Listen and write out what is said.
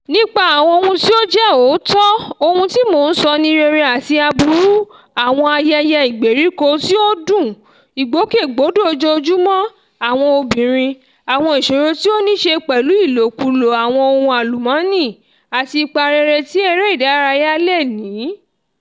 Nípa àwọn ohun tí ó jẹ́ òótọ́, ohun tí mò ń sọ ni rere àti aburú; àwọn ayẹyẹ ìgbèríko tí ó dùn, ìgbòkègbodò ojoojúmọ́ àwọn obìnrin, àwọn ìṣòro tí ó ní ṣe pẹ̀lú ìlòkulò àwọn ohun àlùmọ́ọ́nì, àti ipa rere tí eré ìdárayá lè ní.